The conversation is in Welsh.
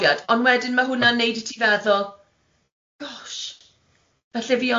Ond wedyn ma' hwnna'n neud i ti feddwl gosh, falle fi ond